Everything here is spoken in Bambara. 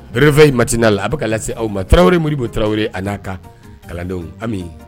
Réveil matinal a bɛ ka lase aw ma Tarawele Modibo Tarawele a n'a ka kalandenw Ami